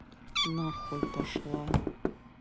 нахуй пошла